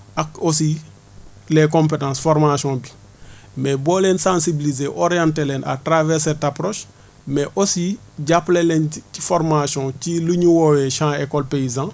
ak aussi les compétences formationbi mais boo leen sensibiliser ba orienté leen à travers cette approche mais aussi jàppale leen ci ci formation ci li ñu wooyee champs école paysan